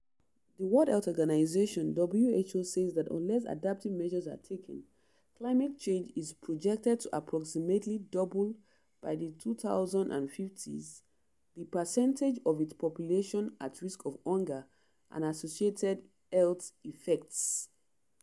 The World Health Organization (WHO) says that unless adaptive measures are taken, climate change is projected to approximately double by the 2050s the percentage of its population at risk of hunger and associated health effects.